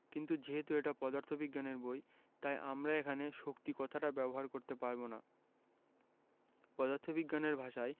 কিন্তু যেহেতু এটা পদার্থবিজ্ঞানের বই তাই আমরা এখানে শক্তি কথাটা ব্যবহার করতে পারব না পদার্থবিজ্ঞানের ভাষায়